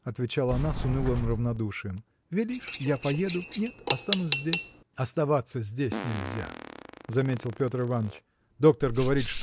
– отвечала она с унылым равнодушием – велишь – я поеду нет – останусь здесь. – Оставаться здесь нельзя – заметил Петр Иваныч – доктор говорит